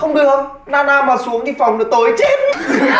không được na na mà xuống thì phòng nó tối chết